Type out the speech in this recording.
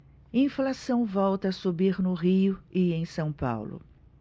inflação volta a subir no rio e em são paulo